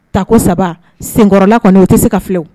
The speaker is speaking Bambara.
Takɔ saba senkɔrɔla kɔnɔ o tɛ se ka filɛ